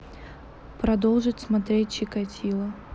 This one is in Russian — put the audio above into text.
продолжить смотреть чикатило